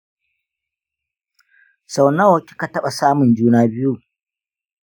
sau nawa kika taɓa samun juna biyu?